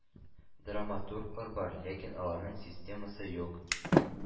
Драматурглар бар, ләкин аларның системасы юк.